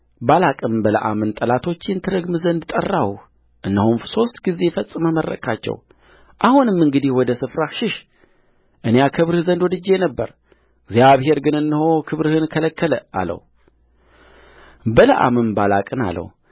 ባላቅም በለዓምን ጠላቶቼን ትረግም ዘንድ ጠራሁህ እነሆም ሦስት ጊዜ ፈጽመህ መረቅሃቸው አሁንም እንግዲህ ወደ ስፍራህ ሽሽእኔ አከብርህ ዘንድ ወድጄ ነበር እግዚአብሔር ግን እነሆ ክብርህን ከለከለ አለውበለዓምም ባላቅን አለው